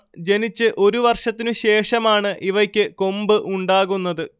ജനിച്ച് ഒരുവർഷത്തിനുശേഷമാണ് ഇവയ്ക്ക് കൊമ്പ് ഉണ്ടാകുന്നത്